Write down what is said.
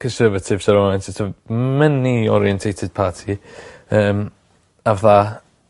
Conservatives are oriented t'm' money orientated party yym a fatha